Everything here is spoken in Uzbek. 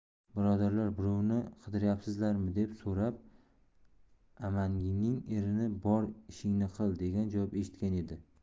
birodarlar birovni qidiryapsizlarmi deb so'rab ammangning erini bor ishingni qil degan javob eshitgan edi